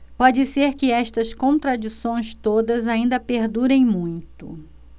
pode ser que estas contradições todas ainda perdurem muito